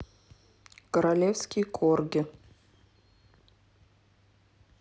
королевский корги